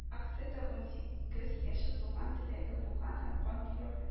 Акциядә ун сигез яше тулган теләге булган һәм кан бирү